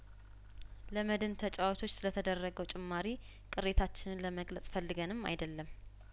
ለመድን ተጫዋቾች ስለተደረገው ጭማሪ ቅሬታችንን ለመግለጽ ፈልገንም አይደለም